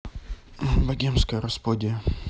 богемская рапсодия